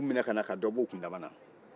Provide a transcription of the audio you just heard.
ko k'o mine ka na ka dɔ bɔ u kun dama na